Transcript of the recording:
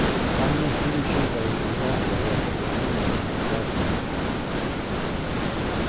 amnesty skipaði fyri áhugaverdari almennari ráðstevnu